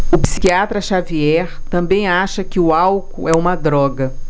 o psiquiatra dartiu xavier também acha que o álcool é uma droga